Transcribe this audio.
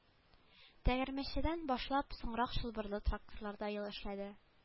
Тәгәрмәчледән башлап соңрак чылбырлы тракторларда ел эшләде